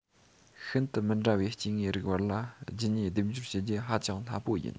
ཤིན ཏུ མི འདྲ བའི སྐྱེ དངོས རིགས བར ལ རྒྱུད གཉིས སྡེབ སྦྱོར བྱེད རྒྱུ ཧ ཅང སླ པོ ཡིན